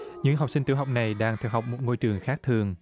những học sinh tiểu học này đang theo học một ngôi trường khác thường